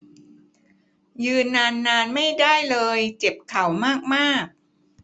ยืนนานนานไม่ได้เลยเจ็บเข่ามากมาก